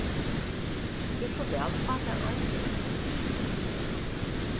ger so væl fá tær ein